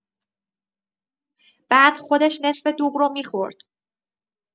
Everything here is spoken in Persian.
بعد خودش نصف دوغ رو می‌خورد.